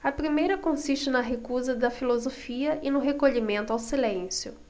a primeira consiste na recusa da filosofia e no recolhimento ao silêncio